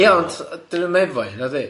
Ie ond dy nhw ddim efo hi nadi?